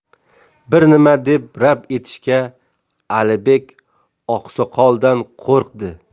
bir nima deb rad etishga alibek oqsoqoldan qo'rqdi